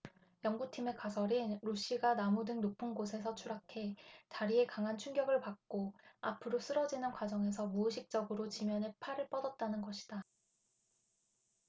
연구팀의 가설은 루시가 나무 등 높은 곳에서 추락해 다리에 강한 충격을 받고 앞으로 쓰러지는 과정에서 무의식적으로 지면에 팔을 뻗었다는 것이다